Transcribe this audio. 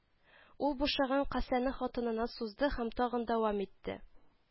—ул бушаган касәне хатынына сузды һәм тагын дәвам итте